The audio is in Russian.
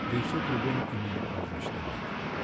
да и все кругом имело праздничный вид.